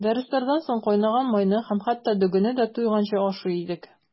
Дәресләрдән соң кайнаган майны һәм хәтта дөгене дә туйганчы ашый идек.